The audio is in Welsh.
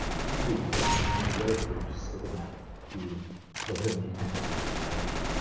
yy gan fwya yn gallu defnyddio wedyn yr ystyr yna i ddod fyny hefo yr